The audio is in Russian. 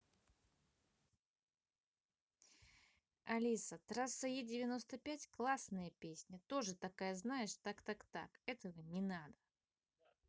алиса трасса е девяносто пять классная песня тоже такая знаешь так так так этого не надо